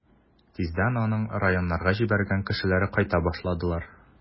Тиздән аның районнарга җибәргән кешеләре кайта башладылар.